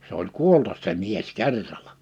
se oli kuolla se mies kerralla